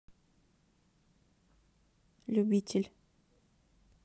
любитель